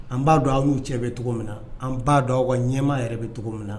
An b'a dɔn an'u cɛ bɛ cogo min na an b'a dɔn wa ɲɛmaa yɛrɛ bɛ cogo min na